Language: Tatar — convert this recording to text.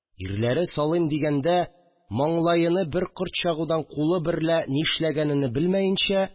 Ирләре, салыйм дигәндә маңлаены бер корт чагудан кулы берлә нишләгәнене белмәенчә